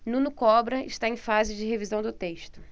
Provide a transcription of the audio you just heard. nuno cobra está em fase de revisão do texto